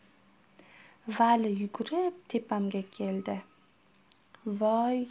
vali yugurib tepamga keldi voy y y